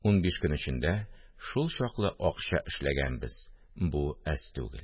Унбиш көн эчендә шулчаклы акча эшләгәнбез, бу әз түгел